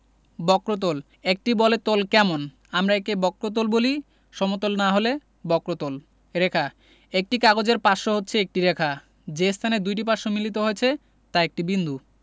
বক্রতলঃ একটি বলের তল কেমন আমরা একে বক্রতল বলি সমতল না হলে বক্রতল রেখাঃ একটি কাগজের পার্শ্ব হচ্ছে একটি রেখা যে স্থানে দুইটি পার্শ্ব মিলিত হয়েছে তা একটি বিন্দু